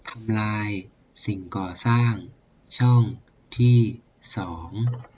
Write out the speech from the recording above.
ทำลายสิ่งก่อสร้างช่องที่สอง